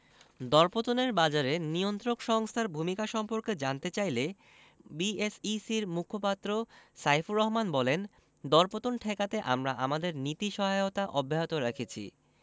দরপতনের বাজারে নিয়ন্ত্রক সংস্থার ভূমিকা সম্পর্কে জানতে চাইলে বিএসইসির মুখপাত্র সাইফুর রহমান বলেন দরপতন ঠেকাতে আমরা আমাদের নীতি সহায়তা অব্যাহত রেখেছি